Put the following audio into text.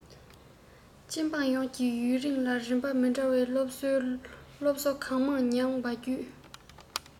སྤྱི འབངས ཡོངས ཀྱིས ཡུན རིང ལ རིམ པ མི འདྲ བའི སློབ གྲྭའི སློབ གསོ གང མང མྱངས པ བརྒྱུད